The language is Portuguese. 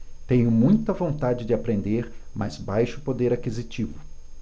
tenho muita vontade de aprender mas baixo poder aquisitivo